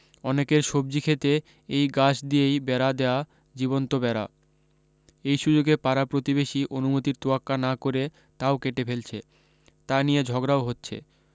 অনেকের সবজি ক্ষেতে এই গাছ দিয়েই বেড়া দেয়া জীবন্ত বেড়া এই সু্যোগে পাড়া প্রতিবেশী অনুমতির তোয়াক্কা না করে তাও কেটে ফেলছে তা নিয়ে ঝগড়াও হচ্ছে